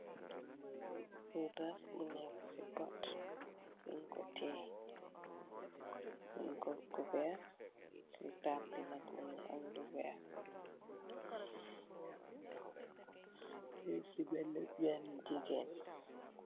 Podarr bu neka si bene pot nyu ko tiye nyun ko kuberr si tat bi nak mogi lu weeex mun ci bena wen jigeen.